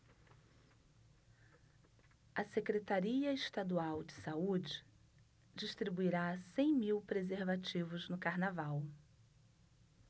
a secretaria estadual de saúde distribuirá cem mil preservativos no carnaval